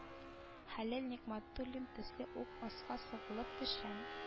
Хәлил нигъмәтуллин төсле үк аска сыгылып төшә